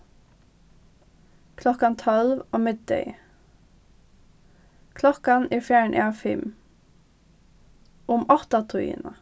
klokkan tólv á middegi klokkan er farin av fimm um áttatíðina